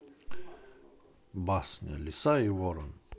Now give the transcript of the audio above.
басня лиса и ворона